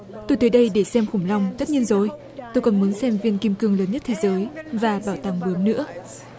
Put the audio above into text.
tôi tới đây để xem khủng long tất nhiên rồi tôi còn muốn xem viên kim cương lớn nhất thế giới và bảo tàng bướm nữa